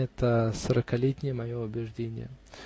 Это сорокалетнее мое убеждение.